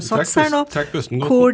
trekk pust trekk pusten godt nå.